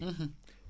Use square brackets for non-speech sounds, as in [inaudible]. [hesitation] [hesitation]